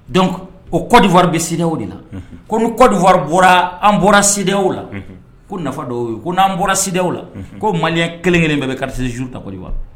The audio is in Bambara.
Don o kɔdiwa bɛ siw de la ko kɔdiwa bɔra an bɔradiw la ko nafa dɔw ye ko n'an bɔra siw la ko mali kelen kelenkelen bɛ bɛ karisauru taɔridiwa